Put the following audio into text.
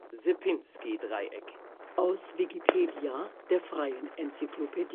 Sierpinski-Dreieck, aus Wikipedia, der freien Enzyklopädie